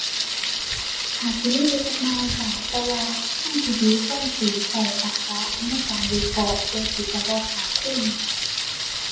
อาจสิมีอยู่จักหน่อยจ้า แต่ว่าทางที่ดีควรสิใช้ตรรกะในการวิเคราะห์ เพื่อที่จะบ่ขาดทุนจ้า